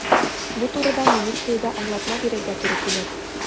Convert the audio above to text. Бу турыда милициядә аңлатма бирергә туры килер.